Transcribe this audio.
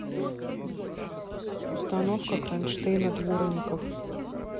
установка кронштейна дворников